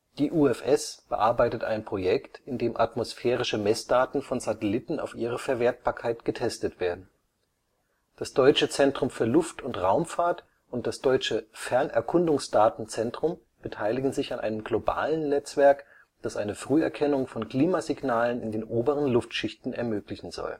Die UFS bearbeitet ein Projekt, in dem atmosphärische Messdaten von Satelliten auf ihre Verwertbarkeit getestet werden. Das Deutsche Zentrum für Luft - und Raumfahrt und das Deutsche Fernerkundungsdatenzentrum beteiligen sich an einem globalen Netzwerk, das eine Früherkennung von Klimasignalen in den oberen Luftschichten ermöglichen